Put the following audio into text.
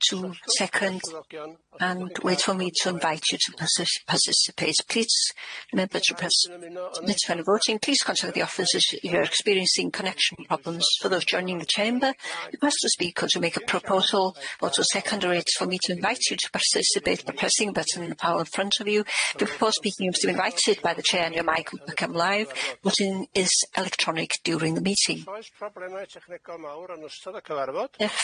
to second and wait for me to invite you to persis- persisipate plîs remember to- pers- s- when voting plîs consider the offers if you're experiencing connection problems for those joining the chamber speak or to make a proposal vote to second or wait for me to invite you to persisipate by pressing the button in the panel in front of you before speaking you must be invited by the chair and your mic will become live voting is electronic during the meeting. Os oes problemau technegol mawr ystod y cyfarfod